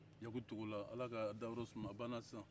yaku togola ala ka dayɔrɔ suma a banna sisan